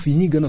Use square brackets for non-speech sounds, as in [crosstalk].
[hesitation] [hesitation]